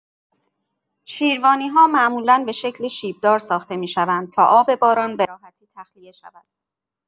شیروانی‌ها معمولا به شکل شیب‌دار ساخته می‌شوند تا آب باران به‌راحتی تخلیه شود.